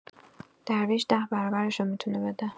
درویش ده برابرشو می‌تونه بده.